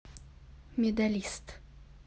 медалист